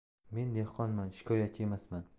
men dehqonman shikoyatchi emasman